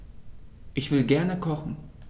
Ich will gerne kochen.